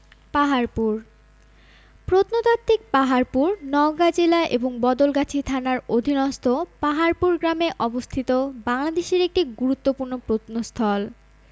পাহাড়পুর প্রত্নতাত্ত্বিক পাহাড়পুর নওগাঁ জেলা এবং বদলগাছী থানার অধীনস্থ পাহাড়পুর গ্রামে অবস্থিত বাংলাদেশের একটি গুরুত্বপূর্ণ প্রত্নস্থল